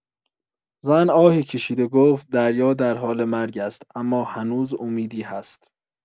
زن آهی کشید و گفت: «دریا در حال مرگ است، اما هنوز امیدی هست.»